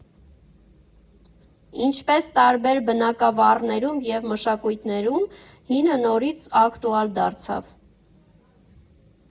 «Ինչպես տարբեր բնագավառներում և մշակույթներում, հինը նորից ակտուալ դարձավ։